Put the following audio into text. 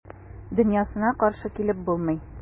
Дөньясына каршы килеп булмый.